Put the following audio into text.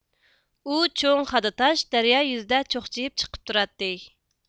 ئۇ چوڭ خادا تاش دەريا يۈزىدە چوقچىيىپ چىقىپ تۇراتتى